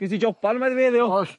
Sgin 'di joban yma i fi eddiw? Oes.